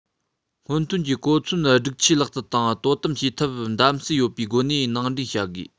སྔོན ཐོན གྱི གོ མཚོན སྒྲིག ཆས ལག རྩལ དང དོ དམ བྱེད ཐབས གདམ གསེས ཡོད པའི སྒོ ནས ནང འདྲེན བྱ དགོས